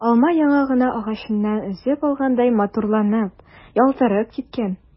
Алма яңа гына агачыннан өзеп алгандай матурланып, ялтырап киткән.